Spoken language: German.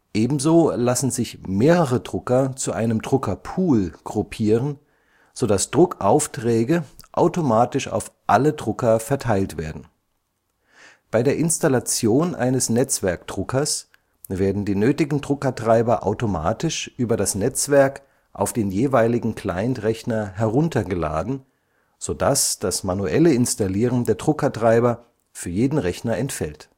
Ebenso lassen sich mehrere Drucker zu einem Druckerpool gruppieren, sodass Druckaufträge automatisch auf alle Drucker verteilt werden. Bei der Installation eines Netzwerkdruckers werden die nötigen Druckertreiber automatisch über das Netzwerk auf den jeweiligen Clientrechner heruntergeladen, sodass das manuelle Installieren der Druckertreiber für jeden Rechner entfällt